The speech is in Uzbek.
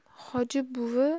hoji buvi